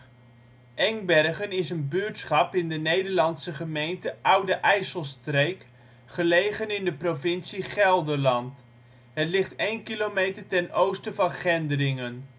buurtschap in de Nederlandse gemeente Oude IJsselstreek, gelegen in de provincie Gelderland. Het ligt 1 kilometer ten oosten van Gendringen